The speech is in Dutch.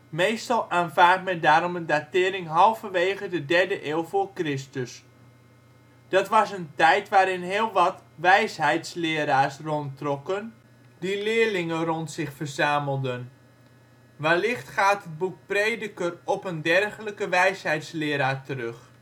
Meestal aanvaardt men daarom een datering halverwege de 3de eeuw voor Christus. Dat was een tijd waarin heel wat ' wijsheidsleraars ' rondtrokken, die leerlingen rond zich verzamelden. Wellicht gaat het boek Prediker op een dergelijke wijsheidsleraar terug